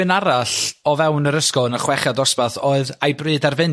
un arall o fewn yr ysgol yn y chweched dosbarth oedd a'i bryd ar fynd